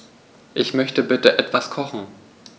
Ich möchte bitte etwas kochen.